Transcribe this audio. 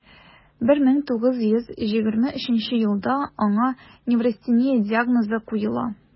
1923 елда аңа неврастения диагнозы куела: